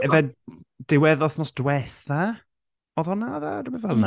Ife diwedd wythnos diwetha oedd hwnna oedd e? Rywbeth fel 'na.